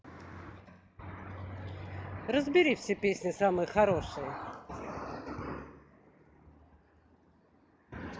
разбери все песни самые хорошие